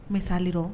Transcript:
N bɛ sali dɔn